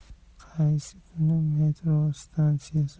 qaysi kuni metro stansiyasi